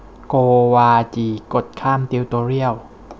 โกวาจีกดข้ามติวโตเรียล